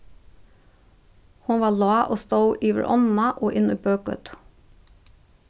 hon var lág og stóð yvir ánna og inn í bøgøtu